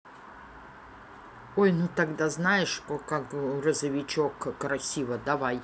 ой ну тогда знаешь что как грузовичек криво давай